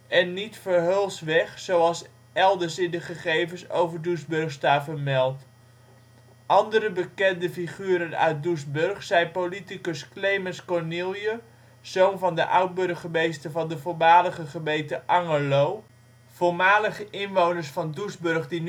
en niet Verheulsweg zoals elders in de gegevens over Doesburg staat vermeld). Andere bekende figuren uit Doesburg zijn politicus Clemens Cornielje, zoon van de oud-burgemeester van de voormalige gemeente Angerlo. Voormalige inwoners van Doesburg die